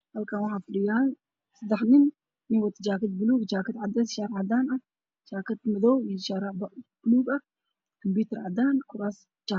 Halkaan waxaa fadhiyaan sadex nin mid wato jaakad buluug jaakad caday iyo cadaan ah jaakad madaw iyo sharaabo buluug ah kombiyuutar cadaan iyo kuraas jaalo ah